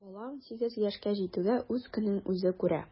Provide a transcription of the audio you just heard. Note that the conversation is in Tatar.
Бала унсигез яшькә җитүгә үз көнен үзе күрә.